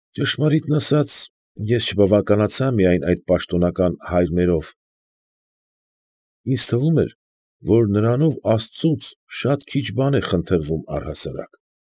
Ճշմարիտն ասած, ես չբավականացա միայն այդ պաշտոնական «Հայր մերով». ինձ թվում էր, որ նրանով աստծուց շատ քիշ բան է խնդրվում առհասարակ։